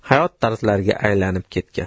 hayot tarzlariga ay lanib ketgan